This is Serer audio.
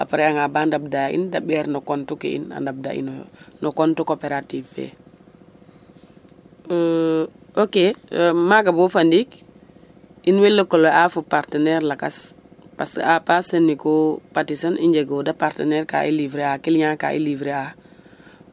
aprés anga ba ndabda in a ɓeerooyo no compte ke in a ndabda inoyo compte coopérative fe ok. Maaga bo fa ndiik in woy lëkëlo'a fo partenaire lakas parce apart Senico, Patisen, i njegooda partenaire ka i livrer a client ka i livrer